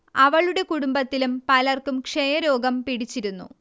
അവളുടെ കുടുംബത്തിലും പലർക്കും ക്ഷയരോഗം പിടിച്ചിരുന്നു